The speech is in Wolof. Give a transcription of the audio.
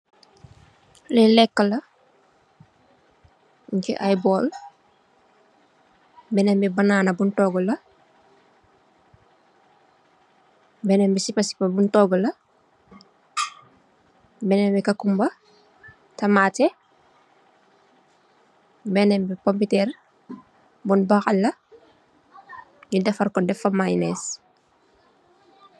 Lii lehkah la, mung chi aiiy borl, benen bii banana bun tohgu la, benen bii sipah sipah bun tohgu la, benen bii cucumber, tamateh, benen bii pompiterr bun bahal la, nju defarr kor def fa maynaise.